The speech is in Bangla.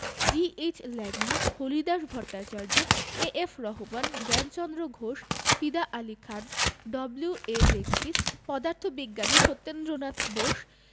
G H Langley Haridas Bhattacharya A F Rahman Gyanchandra Ghosh Fida Ali Khan W A Jenkins পদার্থবিজ্ঞানী সত্যেন্দ্রনাথ বোস